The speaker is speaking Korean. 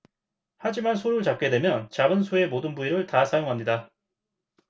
하지만 소를 잡게 되면 잡은 소의 모든 부위를 다 사용합니다